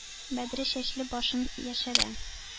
Бөдрә чәчле башын яшерә.